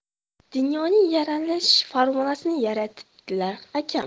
dunyoning yaralish formulasini yaratibdilar akam